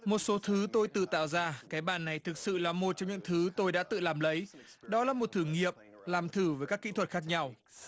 một số thứ tôi tự tạo ra cái bàn này thực sự là một trong những thứ tôi đã tự làm lấy đó là một thử nghiệm làm thử với các kỹ thuật khác nhau